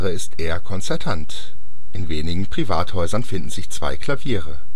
ist eher konzertant: In wenigen Privathäusern finden sich zwei Klaviere